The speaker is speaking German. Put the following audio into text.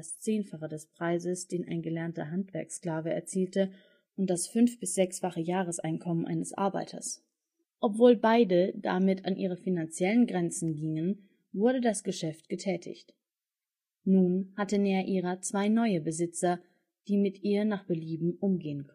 Zehnfache des Preises, den ein gelernter Handwerkssklave erzielte, und das fünf - bis sechsfache Jahreseinkommen eines Arbeiters). Obwohl beide damit an ihre finanziellen Grenzen gingen, wurde das Geschäft getätigt. Nun hatte Neaira zwei neue Besitzer, die mit ihr nach Belieben umgehen